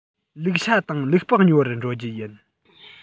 ལུག ཤ དང ལུག ལྤགས ཉོ བར འགྲོ རྒྱུ ཡིན